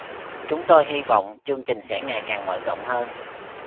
chúng tôi hy vọng chương trình sẽ ngày càng mở rộng hơn